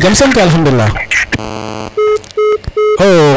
jam som kay Alkhadoulilah